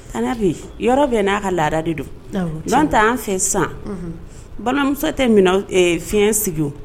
Kanabi yɔrɔ bɛɛ n'a ka laada de don awɔ tiɲɛ don ɲɔntɛ an fɛ ye san unhun balimamuso tɛ minanw ee fiɲɛ sigi o